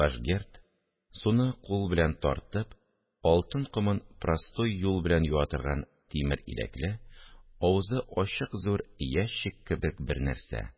Вашгерд – суны кул белән тартып, алтын комын простой юл белән юа торган тимер иләкле, авызы ачык зур ящик кебек бер нәрсә.